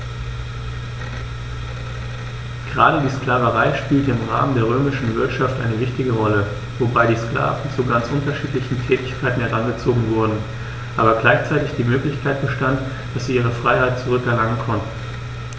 Gerade die Sklaverei spielte im Rahmen der römischen Wirtschaft eine wichtige Rolle, wobei die Sklaven zu ganz unterschiedlichen Tätigkeiten herangezogen wurden, aber gleichzeitig die Möglichkeit bestand, dass sie ihre Freiheit zurück erlangen konnten.